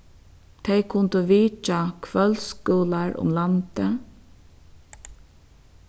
tey kundu vitjað kvøldskúlar um landið